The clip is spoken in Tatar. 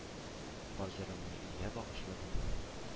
Бар җырымны илгә багышладым,